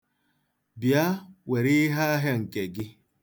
Bịa, were iheahịa nke gị.